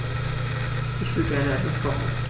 Ich will gerne etwas kochen.